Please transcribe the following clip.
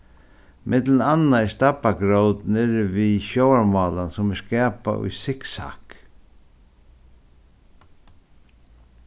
millum annað er stabbagrót niðri við sjóvarmálan sum er skapað í sikksakk